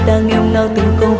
ngao